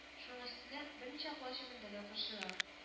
Шуның өстенә берничә колакчын мендәр дә ташлыйлар